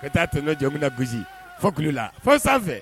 Ka taaa toɲɔjɔmina na gosi fokulu la fo sanfɛ